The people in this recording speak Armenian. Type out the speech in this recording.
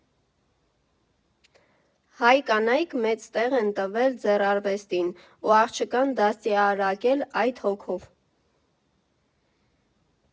Հայ կանայք մեծ տեղ են տվել ձեռարվեստին ու աղջկան դաստիարակել այդ հոգով։